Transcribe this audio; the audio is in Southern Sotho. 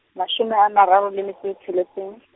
mashome a mararo le metso e tsheletseng.